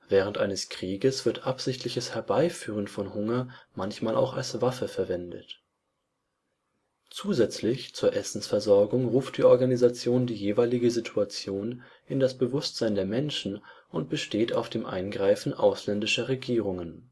Während eines Krieges wird absichtliches Herbeiführen von Hunger manchmal auch als Waffe verwendet, und zusätzlich zur Essensversorgung ruft die Organisation die jeweilige Situation in das Bewusstsein der Menschen und besteht auf dem Eingreifen ausländischer Regierungen